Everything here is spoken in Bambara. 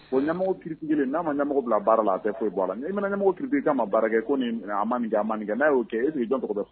O ɲamɔgɔ critiquer len n'a ma ɲamɔgɔ bila baara la a tɛ foyi bɔ a la mais i mana ɲamɔgɔ critiquer k'a ma baara kɛ ko nin n aa ma nin kɛ a ma nin kɛ n'a y'o kɛ - est ce que - jɔn tɔgɔ bɛ fɔ